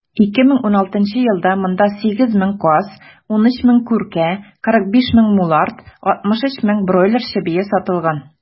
2016 елда монда 8 мең каз, 13 мең күркә, 45 мең мулард, 63 мең бройлер чебие сатылган.